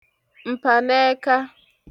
m̀pànẹ̄ẹka